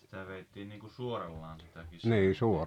sitä vedettiin niin kuin suorallaan sitä kissahäntää